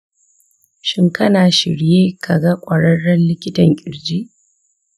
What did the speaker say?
shin kana shirye ka ga ƙwararren likitan ƙirji?